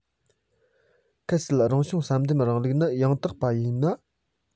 གལ སྲིད རང བྱུང བསལ འདེམས གཞུང ལུགས ནི ཡང དག པ ཞིག ཡིན ན